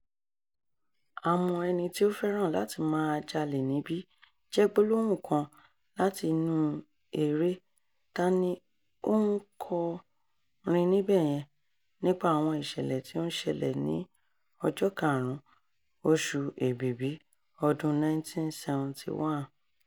"A mọ ẹni tí ó fẹ́ràn láti máa jalè níbí" jẹ́ gbólóhùn kan láti inú eré "Ta ni ó ń kọrin níbẹ̀ yẹn!" nípa àwọn ìṣẹ̀lẹ̀ tí ó ń ṣẹlẹ̀ ní ọjọ́ 5, oṣù Èbìbí ọdún 1971.